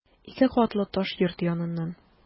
Ике катлы таш йорт яныннан...